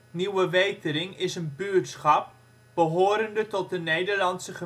Nieuwe Wetering is een buurtschap behorende tot de Nederlandse